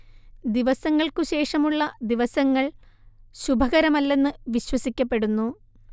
ദിവസങ്ങൾക്കു ശേഷമുള്ള ദിവസങ്ങൾ ശുഭകരമല്ലെന്ന് വിശ്വസിക്കപ്പെടുന്നു